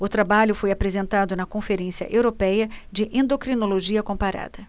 o trabalho foi apresentado na conferência européia de endocrinologia comparada